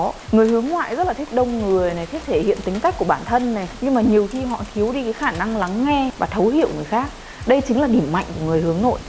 người hướng ngoại rất là thích đông người thích thể hiện tính cách của bản thân nhưng mà nhiều khi họ thiếu đi cái khả năng lắng nghe và thấy hiểu người khác đây chính là cái điểm mạnh của người hướng nội